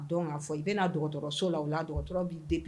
Dɔn fɔ i bɛna dɔgɔtɔrɔ so la u la bɛ